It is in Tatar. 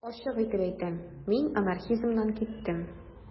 Ачык итеп әйтәм: мин анархизмнан киттем.